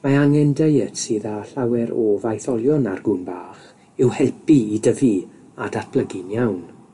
Mae angen diet sydd â llawer o faetholion ar gŵn bach i'w helpu i dyfu, a datblygu'n iawn.